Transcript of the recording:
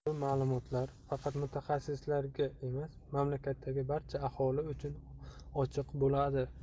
bu ma'lumotlar faqat mutaxassislarga emas mamlakatdagi barcha aholi uchun ochiq bo'ladi